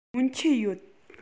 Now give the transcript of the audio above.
སྔོན ཆད ཡོད